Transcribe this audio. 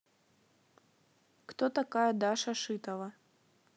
кто такая даша шитова